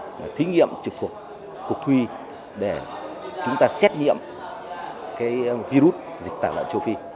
thí nghiệm trực thuộc cục thú y để chúng ta xét nghiệm cấy vi rút dịch tả lợn châu phi